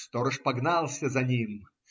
Сторож погнался за ним.